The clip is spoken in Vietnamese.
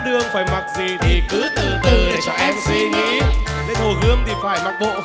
giày đi qua